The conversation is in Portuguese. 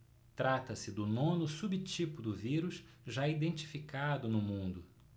trata-se do nono subtipo do vírus já identificado no mundo